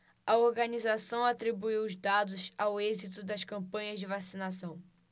a organização atribuiu os dados ao êxito das campanhas de vacinação